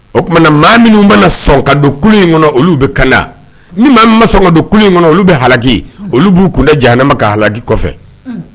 O tumaumana na maa minnu mana sɔn ka don kun in kɔnɔ olu bɛ ka ni ma ma sɔn ka don in kɔnɔ olu bɛ haki olu b'u kun da jamana ma ka haki kɔfɛ